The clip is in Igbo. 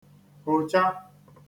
hòcha